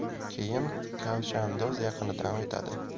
keyin kavshandoz yaqinidan o'tadi